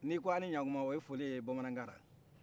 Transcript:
ni ko ani ɲakuma o ye foli ye bamanakan na